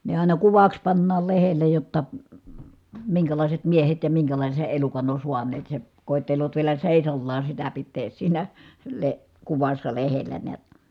ne aina kuvaksi pannaan lehdelle jotta minkälaiset miehet ja minkälaisen elukan on saaneet se koettelevat vielä seisaallaan sitä pitää siinä - kuvassa lehdellä näet